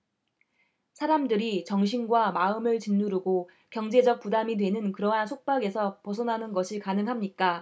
사람들이 정신과 마음을 짓누르고 경제적 부담이 되는 그러한 속박에서 벗어나는 것이 가능합니까